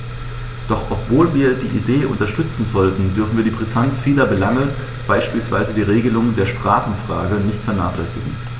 Doch obwohl wir die Idee unterstützen sollten, dürfen wir die Brisanz vieler Belange, beispielsweise die Regelung der Sprachenfrage, nicht vernachlässigen.